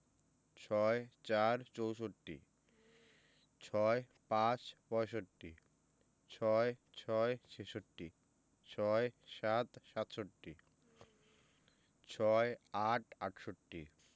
৬৪ – চৌষট্টি ৬৫ – পয়ষট্টি ৬৬ – ছেষট্টি ৬৭ – সাতষট্টি ৬৮ – আটষট্টি